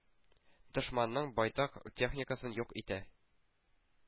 Дошманның байтак техникасын юк итә.